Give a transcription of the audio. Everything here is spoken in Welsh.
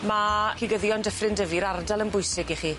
Ma' cigyddion Dyffryn Dyfi, yr ardal yn bwysig i chi.